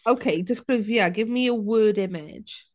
Ok disgrifia. Give me a word image.